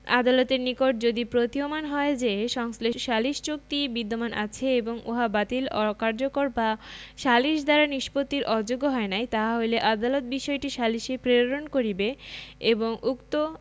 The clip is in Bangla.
আদালতের নিকট যদি প্রতীয়মান হয় যে সংশ্লিষ্ট সালিস চুক্তি বিদ্যমান আছে এবং উহা বাতিল অকার্যকর বা সালিস দ্বারা নিষ্পত্তির অযোগ্য হয় নাই তাহা হইলে আদালত বিষয়টি সালিসে প্রেরণ করিবে এবং উক্ত